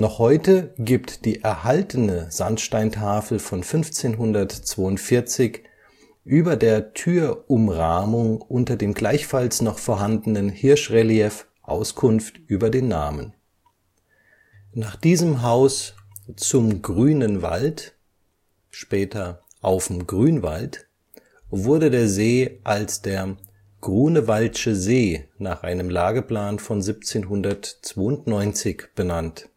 heute gibt die erhaltene Sandsteintafel von 1542 über der Türumrahmung unter dem gleichfalls noch vorhandenen Hirschrelief Auskunft über den Namen. Die Inschrift besteht aus vielen Abkürzungen, die in der folgenden Wiedergabe in Klammern ergänzt sind: …V (ND) DEN • VII MARC (IUS) • DEN • ERS (TEN) STEIN • GE (LEGT) • V (ND) • Z UM GRVENEN • WALD • GENENT • Nach diesem Haus „ Zum Grünen Wald “, später „ Aufm Grünwald ", wurde der See als der „ Grunewaldsche See “(Lageplan von 1792) benannt